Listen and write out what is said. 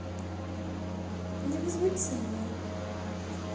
невозмутимое